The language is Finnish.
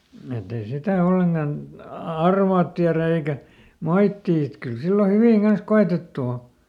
että ei sitä ollenkaan - arvaa tiedä eikä moittia että kyllä silloin hyvin kanssa koetettu on